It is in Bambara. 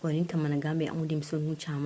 Kɔniɔni takan bɛ anw denmusomisɛnnin caman